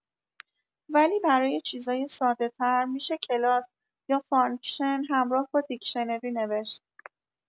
ولی برای چیزای ساده‌‌تر می‌شه کلاس یا فانکشن همراه با دیکشنری نوشت